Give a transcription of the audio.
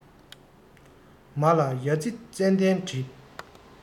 མ ལ ཡ ཡི ཙན དན དྲི